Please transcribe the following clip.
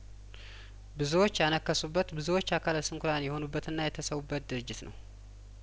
ብዙዎች ያነከሱበት ብዙዎች አካለስንኩላን የሆኑበትና የተሰዉበት ድርጅት ነው